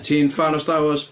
Ti'n ffan o Star Wars?